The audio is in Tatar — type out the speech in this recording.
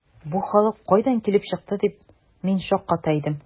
“бу халык кайдан килеп чыкты”, дип мин шакката идем.